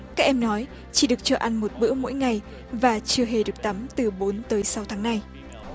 các em nói chỉ được cho ăn một bữa mỗi ngày và chưa hề được tắm từ bốn tới sáu tháng nay